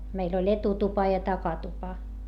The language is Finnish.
meillä oli etutupa ja takatupa